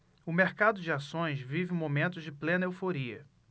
o mercado de ações vive momentos de plena euforia